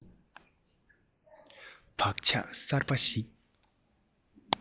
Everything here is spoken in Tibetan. བག ཆགས གསར པ ཞིག